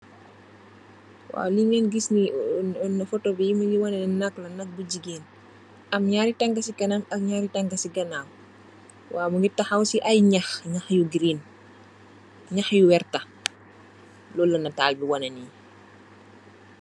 Waw nyugi giss nee photo bi mogi woneh naak bu jigeen am naari tanga si kanam ak naari tanka si ganaw waw mogi taxaw si ay nhaax nhaax yu green nhaax yu wertah lolu la netal bi wone nee.